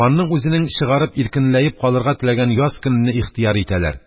Канның үзенең чыгарып-иркенләнеп калырга теләгән яз көнене ихтыяр итәләр.